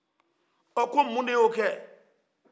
ɔ ko mun den y'o kɛ